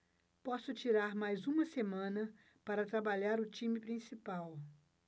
posso tirar mais uma semana para trabalhar o time principal